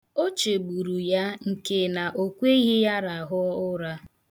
O chegburu ya nke na o kweghị ya rahụ ụra.